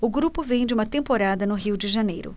o grupo vem de uma temporada no rio de janeiro